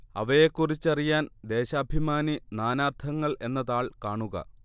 അവയെക്കുറിച്ചറിയാൻ ദേശാഭിമാനി നാനാർത്ഥങ്ങൾ എന്ന താൾ കാണുക